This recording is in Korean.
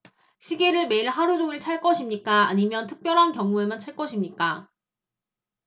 시계를 매일 하루 종일 찰 것입니까 아니면 특별한 경우에만 찰 것입니까